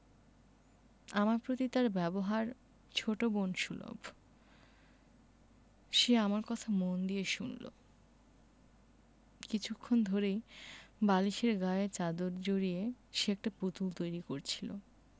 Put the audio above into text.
আমার প্রতি তার ব্যবহার ছোট বোন সুলভ সে আমার কথা মন দিয়ে শুনলো কিছুক্ষণ ধরেই বালিশের গায়ে চাদর জড়িয়ে সে একটা পুতুল তৈরি করছিলো